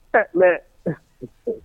E mɛn ko